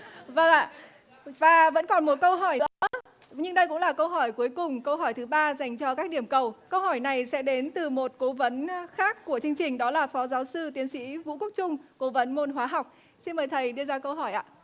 vâng ạ và vẫn còn một câu hỏi nữa nhưng đây cũng là câu hỏi cuối cùng câu hỏi thứ ba dành cho các điểm cầu câu hỏi này sẽ đến từ một cố vấn khác của chương trình đó là phó giáo sư tiến sĩ vũ quốc trung cố vấn môn hóa học xin mời thầy đưa ra câu hỏi ạ